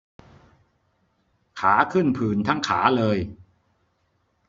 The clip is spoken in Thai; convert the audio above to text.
ขาขึ้นผื่นทั้งขาเลย